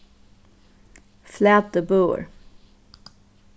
flatibøur